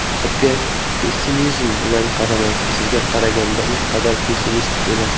siz hayotga pessimizm bilan qaramang sizga qaraganda u qadar pessimistik emas